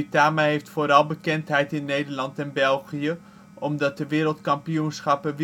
Duitama heeft vooral bekendheid in Nederland en België, omdat de wereldkampioenschappen